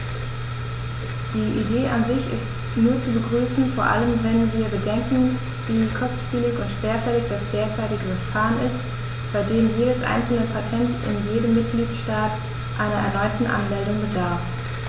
Die Idee an sich ist nur zu begrüßen, vor allem wenn wir bedenken, wie kostspielig und schwerfällig das derzeitige Verfahren ist, bei dem jedes einzelne Patent in jedem Mitgliedstaat einer erneuten Anmeldung bedarf.